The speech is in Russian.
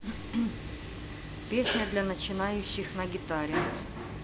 песня для начинающих на гитаре